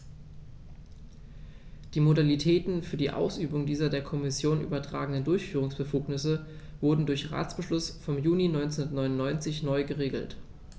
Die Modalitäten für die Ausübung dieser der Kommission übertragenen Durchführungsbefugnisse wurden durch Ratsbeschluss vom Juni 1999 neu geregelt.